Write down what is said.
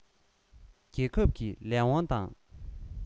རྒྱལ ཁབ ཀྱི ལས དབང དང